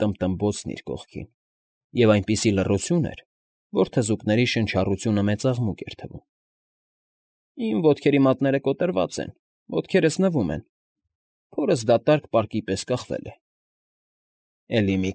Տմբտմբոցն իր կողքին, և այնպիսի լռություն էր, որ թզուկների շնչառությունը մեծ աղմուկ էր թվում։֊ Իմ ոտքերի մատները կոտրված են, ոտքերս նվում են, փորս դատարկ պարկի պես կախվել է։ ֊ Էլի մի։